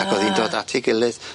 Ag o'dd 'i'n dod at 'i gilydd.